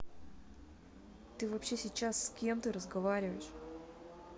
ты вообще сейчас с кем ты разговариваешь